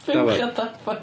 Buwch a dafad.